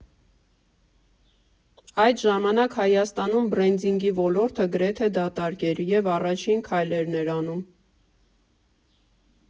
Այդ ժամանակ Հայաստանում բրենդինգի ոլորտը գրեթե դատարկ էր և առաջին քայլերն էր անում։